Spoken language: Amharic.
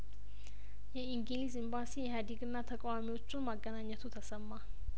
የኢንግሊዝ ኤምባሲ ኢህአዴግና ተቃዋሚዎቹን ማገናኘቱ ተሰማ